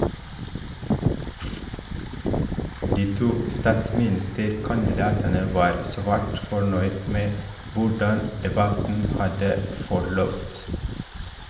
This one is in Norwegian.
De to statsministerkandidatene var svært fornøyd med hvordan debatten hadde forløpt.